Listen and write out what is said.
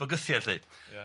Bygythiad lly. Ia.